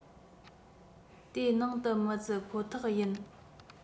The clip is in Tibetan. དི ནང དུ མི བརྩི ཁོ ཐག ཡིན